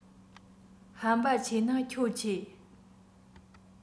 ཧམ པ ཆེ ན ཁྱོད ཆེ